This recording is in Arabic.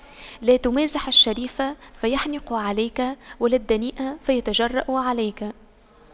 لا تمازح الشريف فيحنق عليك ولا الدنيء فيتجرأ عليك